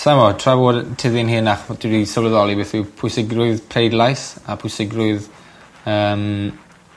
Sai'n gwbo tra fod yy tyfu'n henach i sylweddoli beth yw pwysigrwydd pleidlais a pwysigrwydd yym